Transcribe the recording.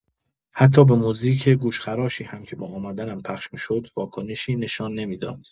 حتی به موزیک گوش‌خراشی هم که با آمدنم پخش می‌شد واکنشی نشان نمی‌داد.